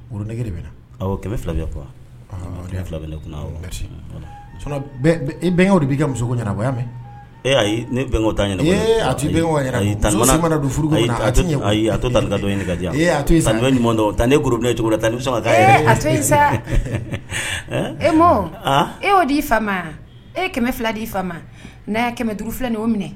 Woroge de bɛ kɛmɛ fila fila e bɛnkɛ de'i muso ɲɛna mɛ e ne bɛn ta ɲini a furu a da ɲini ka tan ne e cogo la sɔn ka taa a sa e ma e di'i fa e kɛmɛ fila' ii fa kɛmɛ duuruuru fila nin ye o minɛ